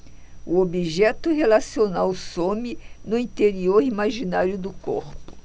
o objeto relacional some no interior imaginário do corpo